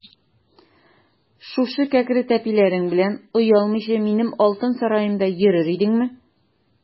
Шушы кәкре тәпиләрең белән оялмыйча минем алтын сараемда йөрер идеңме?